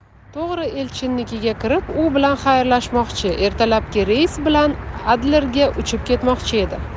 to'g'ri elchinnikiga kirib u bilan xayrlashmoqchi ertalabki reys bilan adlerga uchib ketmoqchi edi